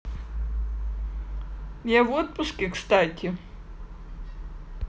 я в отпуске кстати